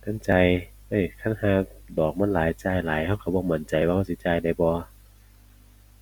เทิงจ่าย เอ้ย เทิงห่าดอกมันหลาย จ่ายหลาย ก็ก็บ่มั่นใจว่าก็สิจ่ายได้บ่